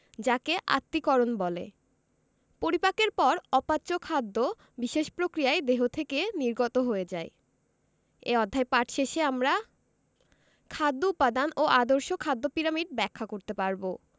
যাকে আত্তীকরণ বলে পরিপাকের পর অপাচ্য খাদ্য বিশেষ প্রক্রিয়ায় দেহ থেকে নির্গত হয়ে যায় এ অধ্যায় পাঠ শেষে আমরা খাদ্য উপাদান ও আদর্শ খাদ্য পিরামিড ব্যাখ্যা করতে পারব